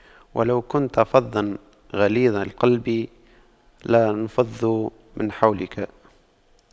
وَلَو كُنتَ فَظًّا غَلِيظَ القَلبِ لاَنفَضُّواْ مِن حَولِكَ